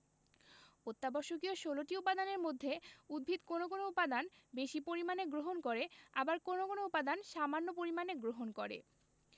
অত্যাবশ্যকীয় ১৬ টি উপাদানের মধ্যে উদ্ভিদ কোনো কোনো উপাদান বেশি পরিমাণে গ্রহণ করে আবার কোনো কোনো উপাদান সামান্য পরিমাণে গ্রহণ করে